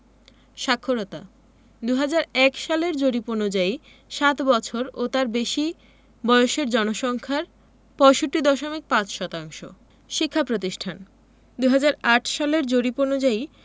সাক্ষরতাঃ ২০০১ সালের জরিপ অনুযায়ী সাত বৎসর ও তার বেশি বয়সের জনসংখ্যার ৬৫.৫ শতাংশ শিক্ষাপ্রতিষ্ঠানঃ ২০০৮ সালের জরিপ অনুযায়ী